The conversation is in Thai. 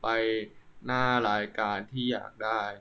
ไปหน้ารายการที่อยากได้